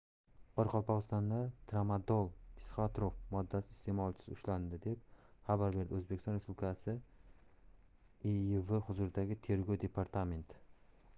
qoraqalpog'istonda tramadol psixotrop moddasi iste'molchisi ushlandi deb xabar berdi o'zbekiston respublikasi iiv huzuridagi tergov departamenti